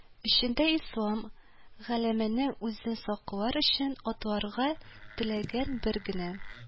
Эчендә ислам галәменең үзен саклар өчен атларга теләгән бер генә